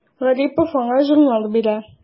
Гарипов аңа журнал бирә.